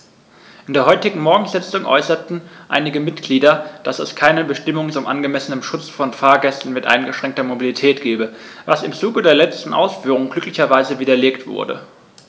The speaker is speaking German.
In der heutigen Morgensitzung äußerten einige Mitglieder, dass es keine Bestimmung zum angemessenen Schutz von Fahrgästen mit eingeschränkter Mobilität gebe, was im Zuge der letzten Ausführungen glücklicherweise widerlegt wurde.